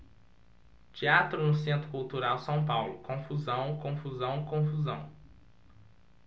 teatro no centro cultural são paulo confusão confusão confusão